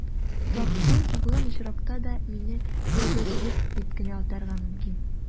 Тарткан-сузган очракта да, мине «йолдызчык» дип кенә атарга мөмкин.